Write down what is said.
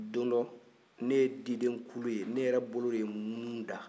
don dɔ ne ye diden kulu ye ne yɛrɛ bolo de ye ŋunun da